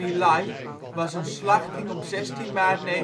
Lai was een slachting op 16 maart 1968